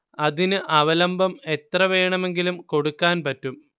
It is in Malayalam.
അതിന് അവലംബം എത്ര വേണമെങ്കിലും കൊടുക്കാൻ പറ്റും